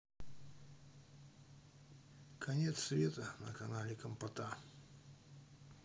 конец свет на канале компота